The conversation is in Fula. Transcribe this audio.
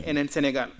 enen Sénégal